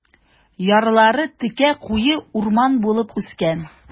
Ярлары текә, куе урман булып үскән.